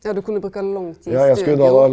ja du kunne bruka lang tid i studio.